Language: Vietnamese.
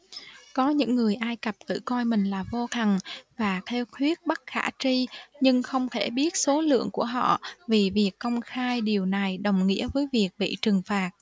có những người ai cập tự coi mình là vô thần và theo thuyết bất khả tri nhưng không thể biết số lượng của họ vì việc công khai điều này đồng nghĩa với việc bị trừng phạt